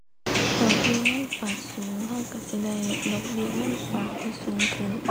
ดอกเบี้ยเงินฝากสูง เราเราสิได้ดอกเบี้ยเงินฝากที่สูงขึ้น